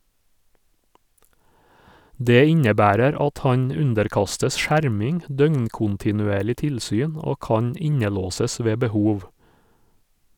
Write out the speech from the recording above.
Det innebærer at han underkastes skjerming, døgnkontinuerlig tilsyn og kan innelåses ved behov.